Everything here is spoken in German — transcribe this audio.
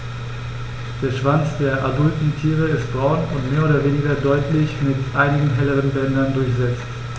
Der Schwanz der adulten Tiere ist braun und mehr oder weniger deutlich mit einigen helleren Bändern durchsetzt.